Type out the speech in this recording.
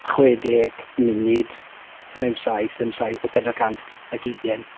chwe deg munud times saith yn sai- pedwar cant ac ugain.